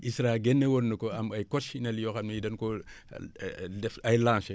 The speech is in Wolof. ISRA génne woon na ko am ay coccinelle yoo xam ne danu koo def ay lancé